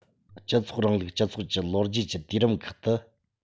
སྤྱི ཚོགས རིང ལུགས སྤྱི ཚོགས ཀྱི ལོ རྒྱུས ཀྱི དུས རིམ ཁག ཏུ